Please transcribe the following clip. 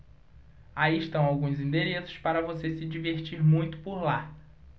aí estão alguns endereços para você se divertir muito por lá